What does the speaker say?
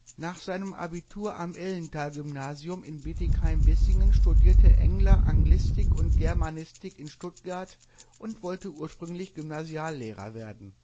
Nach seinem Abitur am Ellentalgymnasium in Bietigheim-Bissingen studierte Engler Anglistik und Germanistik in Stuttgart und wollte ursprünglich Gymnasiallehrer werden